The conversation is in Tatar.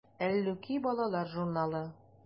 “әллүки” балалар журналы.